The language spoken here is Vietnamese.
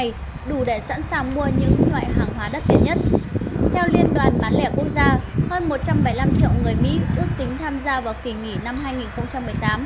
đủ để sẵn sàng mua những lọa hàng hóa đắt tiền theo liên đoàn bán lẻ quốc gia hơn triệu người mỹ ước tính tham gia vào kỳ nghỉ năm